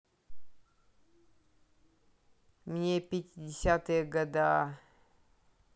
мне пятидесятые года